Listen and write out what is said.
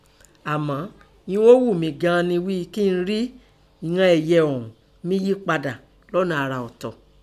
Àmọ́ ihun ọ́ ghù mí gan an nẹ ghíi kí mi rí i ghí i ìnan ẹyẹ ọ̀ún mí yí padà lọ́nà àrà ọ̀tọ̀.